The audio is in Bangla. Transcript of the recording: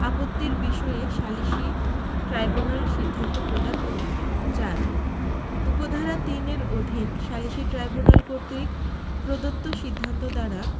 আপত্তির বিষয়ে সালিসী ট্রাইব্যুনাল সিদ্ধান্ত প্রদান করিবে ৪ উপ ধারা ৩ এর অধীন সালিসী ট্রাইব্যুনাল কর্তৃক প্রদত্ত সিদ্ধান্ত দ্বারা